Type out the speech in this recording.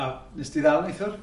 A wnes di ddal nithwr?